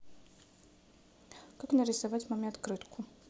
как нарисовать маме открытку